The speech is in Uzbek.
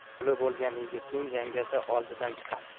yo'li bo'lgan yigitning yangasi oldidan chiqar